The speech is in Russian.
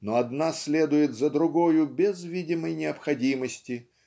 но одна следует за другою без видимой необходимости